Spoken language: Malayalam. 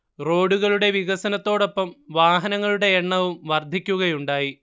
റോഡുകളുടെ വികസനത്തോടൊപ്പം വാഹനങ്ങളുടെ എണ്ണവും വർധിക്കുകയുണ്ടായി